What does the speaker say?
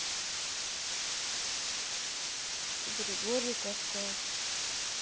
григорий кавказ